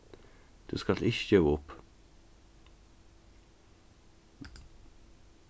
tú skalt ikki geva upp